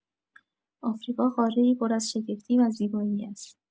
آفریقا، قاره‌ای پر از شگفتی و زیبایی است.